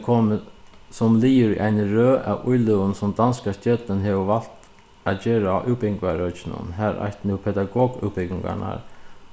komið sum liður í eini røð av íløgum sum danska stjórnin hevur valt at gera á útbúgvingarøkinum har eitt nú pedagogútbúgvingarnar